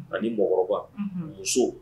Ani mɔɔkɔrɔba unhun muso